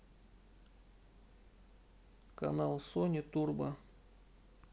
канал сони турбо